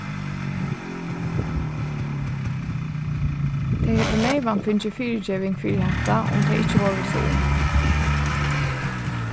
tey høvdu neyvan fingið fyrigeving fyri hatta um tey ikki vóru so ung